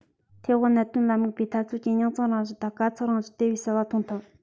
ཐའེ ཝན གནད དོན ལ དམིགས པའི འཐབ རྩོད ཀྱི རྙོག འཛིང རང བཞིན དང དཀའ ཚེགས རང བཞིན དེ བས གསལ བ མཐོང ཐུབ